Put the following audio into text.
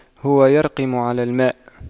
هو يرقم على الماء